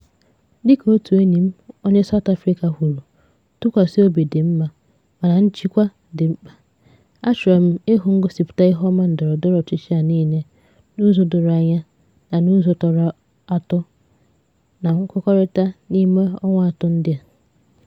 Dịka otu enyi m onye South Africa kwuru: “Ntụkwasịobi dị mma, mana njikwa dị mkpa!” [..] A chọrọ m ịhụ ngosipụta iheọma ndọrọndọrọ ọchịchị a niile n'ụzọ doro anya na n'ụzọ tọrọ atọ̀ na nkwekọrịta n'ime ọnwa atọ ndị a!